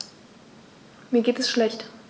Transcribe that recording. Mir geht es schlecht.